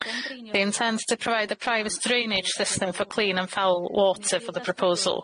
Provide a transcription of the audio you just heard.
They intend to provide a private drainage system for clean and foul water for the proposal.